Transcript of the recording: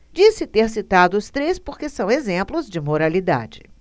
disse ter citado os três porque são exemplos de moralidade